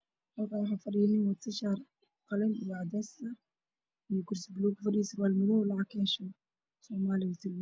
Halakan waxa fadhiya nin wata shaar qalin io cades ah io kursi balug ah kufadhi sarwal madow lacag kaash tirinay